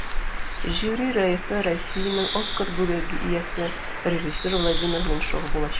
Жюри рәисе Россиянең Оскар бүләге иясе режиссер Владимир Меньшов булачак.